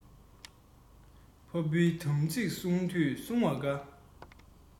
ཕ བུའི དམ ཚིག བསྲུང དུས བསྲུངས པ དགའ